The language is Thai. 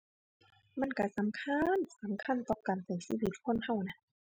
มันก็สำคัญ สำคัญต่อการก็ชีวิตคนก็น่ะ